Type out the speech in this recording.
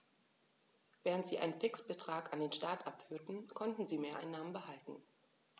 Während sie einen Fixbetrag an den Staat abführten, konnten sie Mehreinnahmen behalten.